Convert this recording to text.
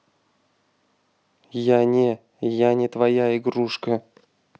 я не я не твоя игрушка